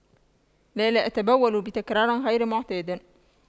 لا لا أتبول بتكرار غير معتاد